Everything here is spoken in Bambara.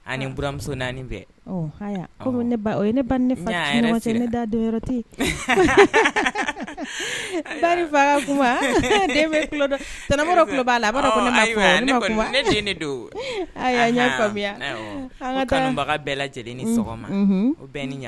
Ni bmuso naani bɛɛ ne dafa kuma'a la ne don y'a faamuya anbaga bɛɛ lajɛlen ni sɔgɔma o bɛɛ ni ɲa